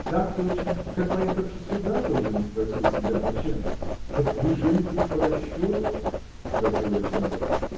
так точно, как, поехавши сюда, тоже не спросил себя: зачем? – Так вы женитесь по расчету? – спросил Александр.